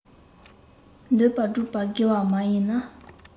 འདོད པ སྒྲུབ པ དགེ བ མ ཡིན ན